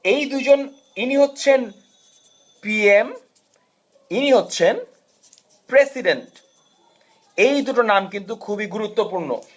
এই দুজন ইনি হচ্ছেন পিএম ইনি হচ্ছেন প্রেসিডেন্ট এই দুটো নাম কিন্তু খুবই গুরুত্বপূর্ণ